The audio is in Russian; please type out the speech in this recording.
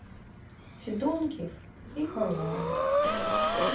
федункив и харламов